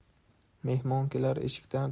mehmon kelar eshikdan